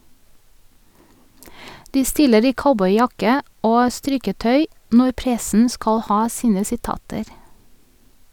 De stiller i cowboyjakke og strikketøy når pressen skal ha sine sitater.